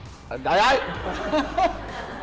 trời ơi